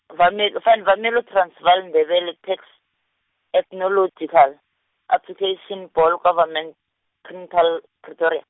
Wamelo Van Warmelo Transvaal Ndebele texts, Ethnological, Publication, vol- Government, Printer Pretoria.